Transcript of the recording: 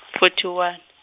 forty one.